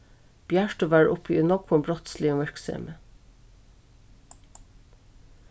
bjartur var uppi í nógvum brotsligum virksemi